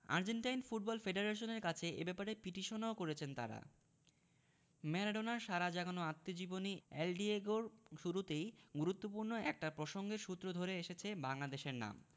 Argentine football ফেডারেশনের কাছে এ ব্যাপারে পিটিশনও করেছেন তাঁরা ম্যারাডোনার সাড়া জাগানো আত্মজীবনী এল ডিয়েগো র শুরুতেই গুরুত্বপূর্ণ একটা প্রসঙ্গের সূত্র ধরে এসেছে বাংলাদেশের নাম